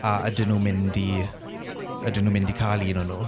A ydyn nhw'n mynd i ydyn nhw'n mynd i cael un o nhw?